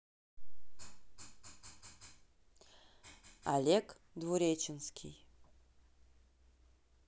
олег двуреченский